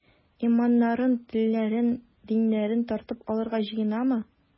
Иманнарын, телләрен, диннәрен тартып алырга җыенамы?